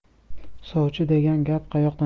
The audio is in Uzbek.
sovchi degan gap qayoqdan chiqqan